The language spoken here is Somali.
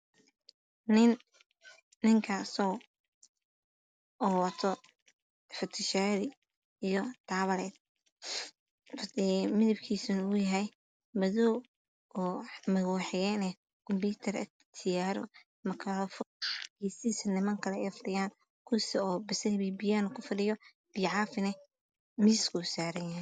Nin ninkaso oo wato fatashaari iyo taawaleed madabkiisana uuyahay madow oo madow xigeen kumbiyiitar eh siyaaro makaroofan geesihiisa niman kale ayfadhiyaan kursi oo basali bibiyo ku fadhiyaan biyo caafina miiska uu saaran yahay